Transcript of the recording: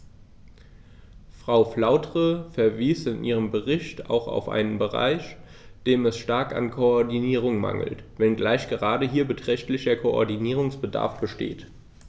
Frau Flautre verwies in ihrem Bericht auch auf einen Bereich, dem es stark an Koordinierung mangelt, wenngleich gerade hier beträchtlicher Koordinierungsbedarf besteht.